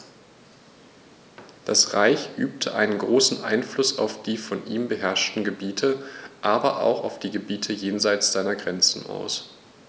Das Reich übte einen großen Einfluss auf die von ihm beherrschten Gebiete, aber auch auf die Gebiete jenseits seiner Grenzen aus.